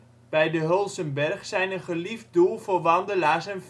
bij de Hulzenberg zijn een geliefd doel voor wandelaars en fietsers